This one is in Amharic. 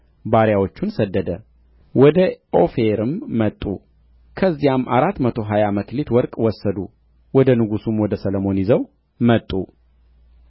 ባሪያዎቹን ሰደደ ወደ ኦፊርም መጡ ከዚያም አራት መቶ ሀያ መክሊተ ወርቅ ወሰዱ ወደ ንጉሡም ወደ ሰሎሞን ይዘው መጡ